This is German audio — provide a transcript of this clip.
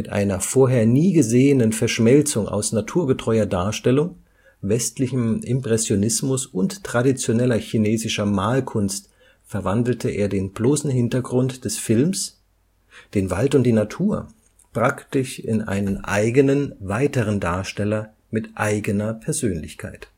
einer vorher nie gesehenen Verschmelzung aus naturgetreuer Darstellung, westlichem Impressionismus und traditioneller chinesischer Malkunst verwandelte er den bloßen Hintergrund des Films, den Wald und die Natur, praktisch in einen eigenen, weiteren Darsteller mit eigener Persönlichkeit